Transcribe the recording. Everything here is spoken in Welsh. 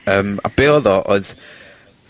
Yym, a be' odd o oedd